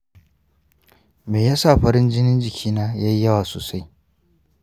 me yasa farin jinin jikina ya yi yawa sosai?